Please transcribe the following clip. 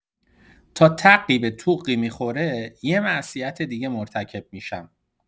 تا تقی به توقی می‌خوره، یه معصیت دیگه مرتکب می‌شم!